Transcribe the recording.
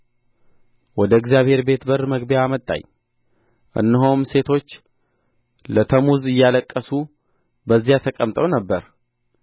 ወደ እግዚአብሔር ቤት በር መግቢያ አመጣኝ እነሆም ሴቶች ለተሙዝ እያለቀሱ በዚያ ተቀምጠው ነበር